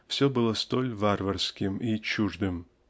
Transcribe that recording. все было столь варварским и ей чуждым.